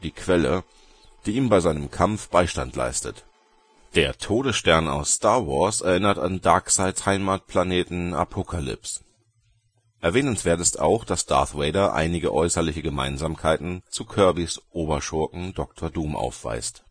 Quelle “), die ihm bei seinem Kampf Beistand leistet. Der „ Todesstern “aus Star Wars erinnert an Darkseids Heimatplaneten Apokalips. Erwähnenswert ist auch, dass Darth Vader einige äußerliche Gemeinsamkeiten zu Kirbys Oberschurken Dr. Doom aufweist